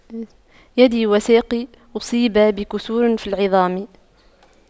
يدي وساقي أصيبا بكسور في العظام